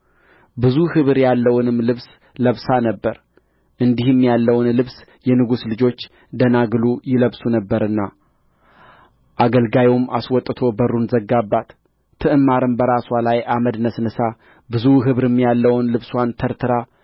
ብዙ ኅብር ያለውንም ልብስ ለብሳ ነበር እንዲህ ያለውን ልብስ የንጉሡ ልጆች ደናግሉ ይለብሱ ነበርና አገልጋዩም አስወጥቶ በሩን ዘጋባት ትዕማርም በራስዋ ላይ አመድ ነስንሳ ብዙ ኅብርም ያለውን ልብስዋን ተርትራ